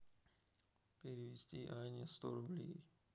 перевести анне сто рублей